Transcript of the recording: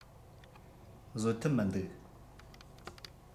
བཟོད ཐབས མི འདུག